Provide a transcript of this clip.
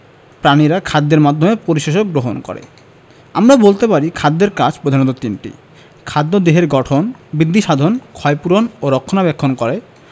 প্রাণীরা খাদ্যের মাধ্যমে পরিপোষক গ্রহণ করে আমরা বলতে পারি খাদ্যের কাজ প্রধানত তিনটি ১. খাদ্য দেহের গঠন বৃদ্ধিসাধন ক্ষয়পূরণ ও রক্ষণাবেক্ষণ করে